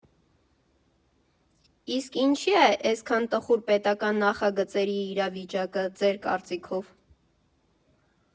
Իսկ ինչի՞ ա էսքան տխուր պետական նախագծերի իրավիճակը, ձեր կարծիքով։